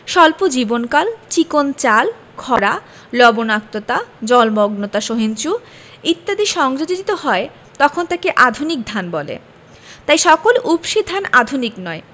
স্বল্প জীবনকাল চিকন চাল খরা লবনাক্ততা জলমগ্নতা সহিষ্ণু ইত্যাদি সংযোজিত হয় তখন তাকে আধুনিক ধান বলে তাই সকল উফশী ধান আধুনিক নয়